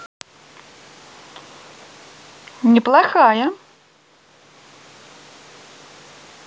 неплохая